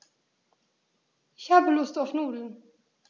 Ich habe Lust auf Nudeln.